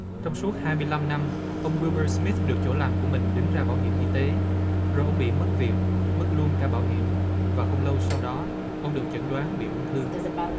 trong suốt hai mươi lăm năm ông gui bơ si mít được chỗ làm của mình đứng ra bảo hiểm y tế rồi cũng bị mất việc mất luôn cả bảo hiểm và không lâu sau đó ông được chẩn đoán bị ung thư